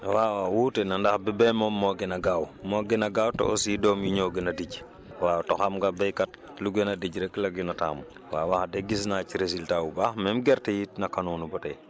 waaw waaw wuute na ndax bi bee moom moo gën a gaaw moo gën a gaaw te aussi doom yi ñoo gën a dijji waaw te xam nga béykat lu gën a dijji rek la gën a taamu waaw wax dëgg gis naa ci résultat bu baax même gerte yi naka noonu ba tey